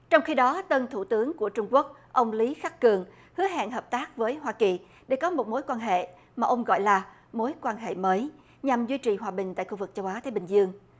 trong khi đó tân thủ tướng của trung quốc ông lý khắc cường hứa hẹn hợp tác với hoa kỳ để có một mối quan hệ mà ông gọi là mối quan hệ mới nhằm duy trì hòa bình tại khu vực châu á thái bình dương